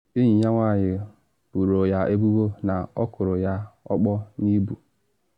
Enyi ya nwanyị boro ya ebubo na ọ kụrụ ya ọkpọ n’ihu.